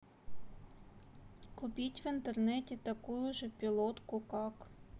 купить в интернете такую же пилотку как